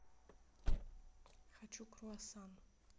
хочу круасан